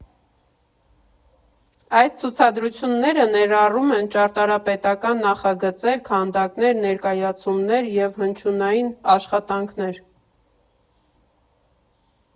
Այս ցուցադրությունները ներառում են ճարտարապետական նախագծեր, քանդակներ, ներկայացումներ և հնչյունային աշխատանքներ։